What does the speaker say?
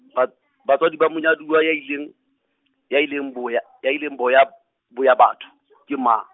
ba- batswadi ba monyaduwa ya ileng, ya ileng boya-, ya ileng boya- boyabatho, ke mang?